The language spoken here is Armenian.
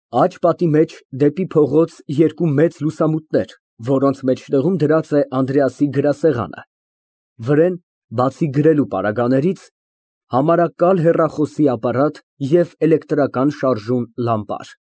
Աջ առաջին պատի մեջ դեպի փողոց երկու մեծ լուսամուտներ, որոնց մեջտեղում դրված է Անդրեասի գրասեղանը, վրեն, բացի գրելու պարագաներից, համարակալ, հեռախոսի ապարատ և էլեկտրական լամպ։